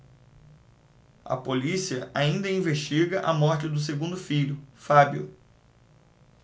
a polícia ainda investiga a morte do segundo filho fábio